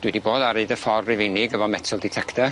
Dwi 'di bod ar yd y ffor Rufeinig efo metal detector.